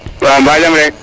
wa mba jam rek